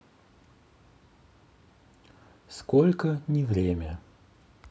сколько ни время